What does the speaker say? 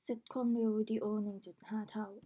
เซ็ตความเร็ววีดีโอหนึ่งจุดห้าเท่า